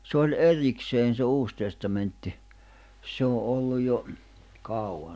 se oli erikseen se Uusi Testamentti se on ollut jo kauan